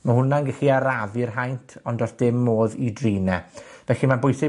Ma' hwnna'n gallu arafu'r haint, ond do's dim modd i drin e. Felly ma'n bwysig